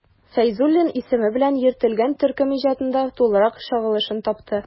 Фәйзуллин исеме белән йөртелгән төркем иҗатында тулырак чагылышын тапты.